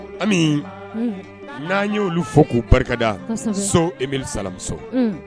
Ami nan yolu fɔ ku barikada kɔsɛbɛ So Emile Salamuso.